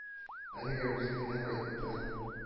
Әлегә үзе генә кайтты